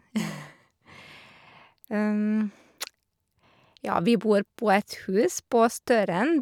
Ja, vi bor på et hus på Støren.